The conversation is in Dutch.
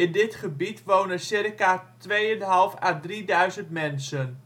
dit gebied wonen ca 2.500 à 3.000 mensen